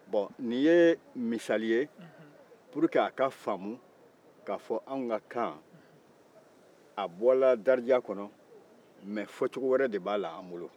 bɔn nin ye misali ye walasa a ka famu k'a fɔ anw ka kan a bɔra darija kɔnɔ nka fɔcogo wɛrɛ de b'a la an bolo